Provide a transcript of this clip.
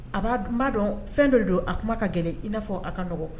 A b'a kuma dɔn fɛn dɔ don a kuma ka gɛlɛn i n'a fɔ a kaɔgɔn